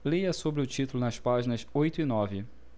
leia sobre o título nas páginas oito e nove